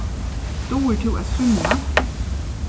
dugir tú at svimja